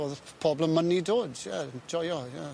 O'dd pobol yn mynnu dod ie 'n joio ie.